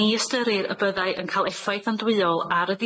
Ni ystyrir y byddai yn ca'l effaith andwyol ar y